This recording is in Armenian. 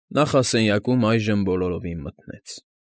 Նախասենյակում այժմ բոլորովին մթնեց։